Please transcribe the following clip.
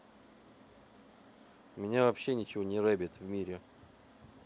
меня вообще ничего не rabbit в мире